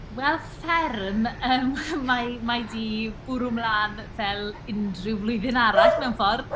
Wel fferm, yym, mae mae 'di bwrw mlaen fel unrhyw flwyddyn arall mewn ffordd.